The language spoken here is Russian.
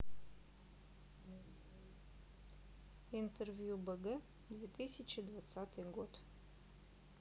интервью бг две тысячи двадцатый год